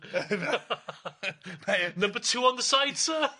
Beth Number two on the side sir?